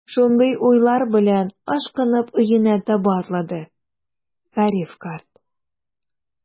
Шундый уйлар белән, ашкынып өенә таба атлады Гариф карт.